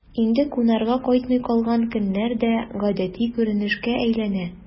Инде кунарга кайтмый калган көннәр дә гадәти күренешкә әйләнә...